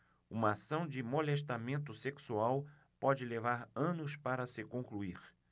uma ação de molestamento sexual pode levar anos para se concluir